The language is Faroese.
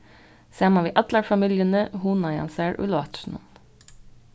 saman við allar familjuni hugnaði hann sær í látrinum